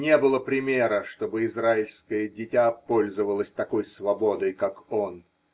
Не было примера, чтобы израильское дитя пользовалось такой свободой, как он.